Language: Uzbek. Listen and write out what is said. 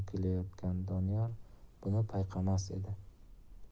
kuylayotgan doniyor buni payqamas edi